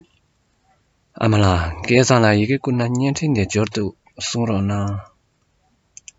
ཨ མ ལགས སྐལ བཟང ལ ཡི གེ བསྐུར ན བརྙན འཕྲིན དེ འབྱོར འདུག གསུངས རོགས